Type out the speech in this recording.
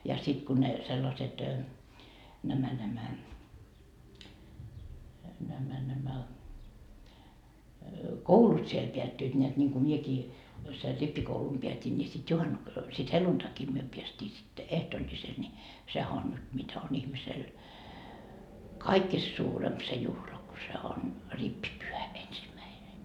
ja sitten kun ne sellaiset nämä nämä nämä nämä koulut siellä päättyivät näet niin kuin minäkin sen rippikoulun päätin niin sitten - sitten helluntaina me päästiin sitten ehtoolliselle niin sehän on nyt mitä on ihmisellä kaikista suurempi se juhla kun se on rippipyhä ensimmäinen